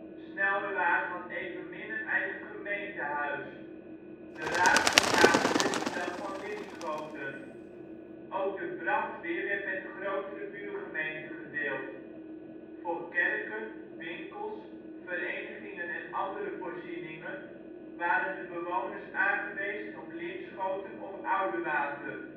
Snelrewaard had evenmin een eigen gemeentehuis. De raad vergaderde in dat van Linschoten. Ook de brandweer werd met de grotere buurgemeente gedeeld. Voor kerken, winkels, verenigingen en andere voorzieningen waren de bewoners aangewezen op Linschoten of Oudewater